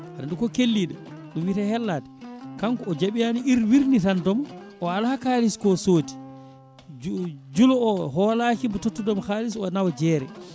aɗa andi ko kelliɗo ɗum wiyete hellade kanko o jaaɓini wirnitandemo o ala kalis ko soodi juula o e hoore hoolakimo tottudemo halis o nawa jeere